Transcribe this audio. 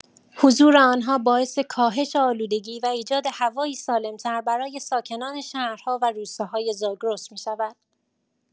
حضور آنها باعث کاهش آلودگی و ایجاد هوایی سالم‌تر برای ساکنان شهرها و روستاهای زاگرس می‌شود.